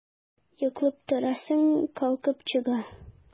Йолкып торасың, калкып чыга...